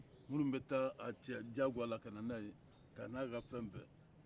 minnu bɛ taa a cɛ diyagoya la ka na n'a ye k'a n'a ka fɛn bɛɛ